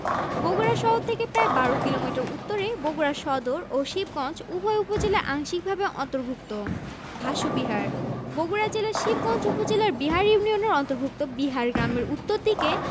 পর্যটন কেন্দ্রঃ কক্সবাজার রাঙ্গামাটি চট্টগ্রাম সিলেট কুয়াকাটা সুন্দরবন কক্সবাজারের সমুদ্র সৈকত ১২০ কিলোমিটার দীর্ঘ কুয়াকাটা সমুদ্র সৈকত থেকে সূর্যোদয় ও সূর্যাস্ত